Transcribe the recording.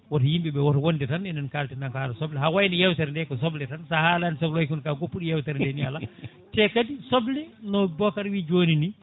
woto yimɓeɓe woto wonde tan enen kalti nafara soble ha wayno yewtere nde ko soble tan sa haalani soble way kono ka goppuɗo yewtere nde ni ala te kadi soble no Bocara wi joni ni